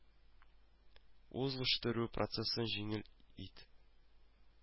Үзлыштерү процессын җиңел ит